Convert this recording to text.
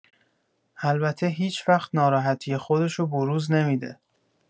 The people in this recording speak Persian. البته هیچوقت ناراحتی خودشو بروز نمی‌ده.